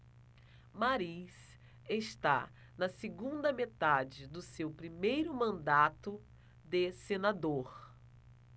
mariz está na segunda metade do seu primeiro mandato de senador